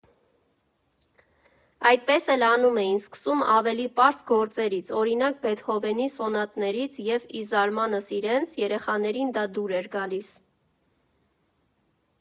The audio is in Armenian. Այդպես էլ անում էին, սկսում ավելի պարզ գործերից, օրինակ՝ Բեթհովենի սոնատներից և, ի զարմանս իրենց, երեխաներին դա դուր էր գալիս։